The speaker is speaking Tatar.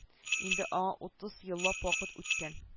Инде аңа утыз еллап вакыт үткән